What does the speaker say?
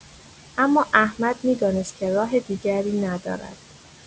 اما احمد می‌دانست که راه دیگری ندارد.